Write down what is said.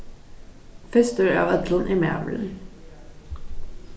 fyrstur av øllum er maðurin